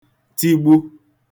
tigbu